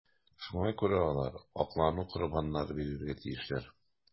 Шуңа күрә алар аклану корбаннары бирергә тиешләр.